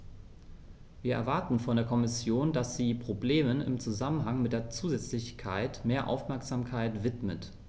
Wir erwarten von der Kommission, dass sie Problemen im Zusammenhang mit der Zusätzlichkeit mehr Aufmerksamkeit widmet.